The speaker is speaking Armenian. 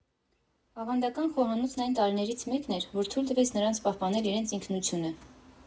Ավանդական խոհանոցն այն տարրերից մեկն էր, որ թույլ տվեց նրանց պահպանել իրենց ինքնությունը։